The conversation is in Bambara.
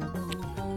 Wa